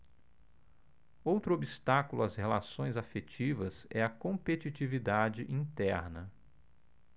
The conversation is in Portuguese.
outro obstáculo às relações afetivas é a competitividade interna